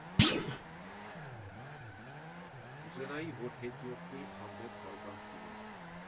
Կուզենայի, որ հետիոտնի հանդեպ հարգանք լիներ։